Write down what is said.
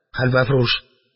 Хәлвәфрүш: